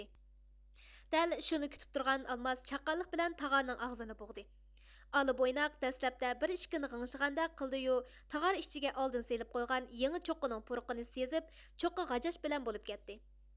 دەل شۇنى كۈتۈپ تۇرغان ئالماس چاققانلىق بىلەن تاغارنىڭ ئاغزىنى بوغدى ئالا بويناق دەسلەپتە بىر ئىككىنى غىڭشىغاندەك قىلدىيۇ تاغار ئىچىگە ئالدىن سېلىپ قويغان يېڭى چوققىنىڭ پۇرىقىنى سىزىپ چوققا غاجاش بىلەن بولۇپ كەتتى